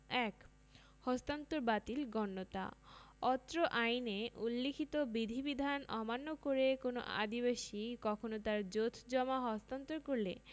১ হস্তান্তর বাতিল গণ্যতা অত্র আইনে উল্লিখিত বিধিবিধান অমান্য করে কোন আদিবাসী কখনো তার জোতজমা হস্তান্তর করলে